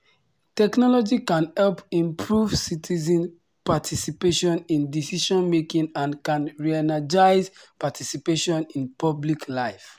Technology can help improve citizen participation in decision-making and can re-energise participation in public life.